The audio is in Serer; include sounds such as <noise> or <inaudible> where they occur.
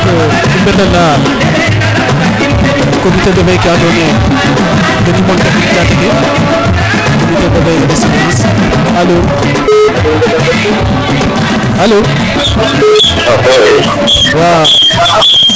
<music> i mbeta na comité de veille <music> ke ando naye <music> alo alo waaw